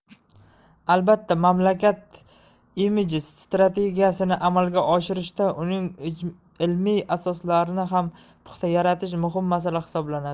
albatta mamlakat imiji strategiyasini amalga oshirishda uning ilmiy asoslarini ham puxta yaratish muhim masala hisoblanadi